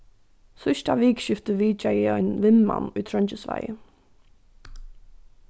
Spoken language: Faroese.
síðsta vikuskiftið vitjaði eg ein vinmann í trongisvági